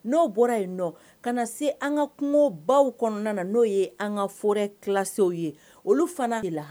N'o bɔra yen ka na se an ka kungo baw kɔnɔna na n'o ye an ka foro kisiw ye olu fana